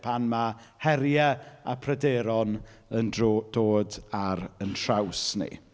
Pan ma' heriau a pryderon yn dro- dod ar ein traws ni.